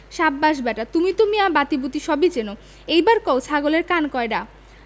সাব্বাস ব্যাটা তুমি তো মিয়া বাতিবুতি সবই চেনো এইবার কও ছাগলের কান কয়ডা